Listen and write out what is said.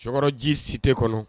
Cɛkɔrɔbaji si tɛ kɔnɔ